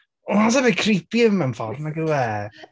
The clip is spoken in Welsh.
That's a bit creepy mewn ffordd nag yw e?